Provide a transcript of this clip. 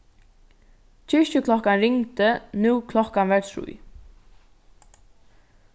kirkjuklokkan ringdi nú klokkan var trý